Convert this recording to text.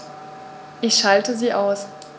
Ich schalte sie aus.